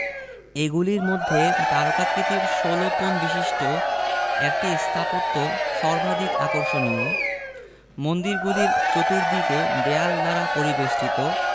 এগুলির মধ্যে তারকাকৃতির ষোল কোণ বিশিষ্ট একটি স্থাপত্য সর্বাধিক আকর্ষণীয় মন্দিরগুলির চতুর্দিকে দেয়াল দ্বারা পরিবেষ্টিত